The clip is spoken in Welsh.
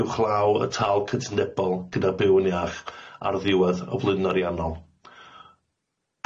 uwchlaw y tâl cytundebol gyda byw yn iach ar ddiwedd y flwyddyn ariannol.